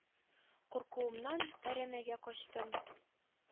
Куркуымнан әрәмәгә качтым...